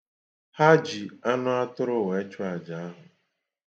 Ha ji anụatụru wee chụ aja ahu.